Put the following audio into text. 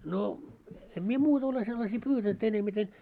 no en minä muuta ole sellaisia pyytänyt enemmiten